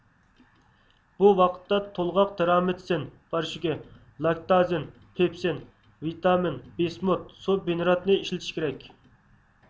بۇ ۋاقىتتا تولغاق تېررامىتسىن پاراشوكى لاكتازىن پېپسىن ۋىتامىن بىسمۇت سۇ بىنراتنى ئىشلىتىش كېرەك